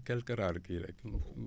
quelque rare kii rekk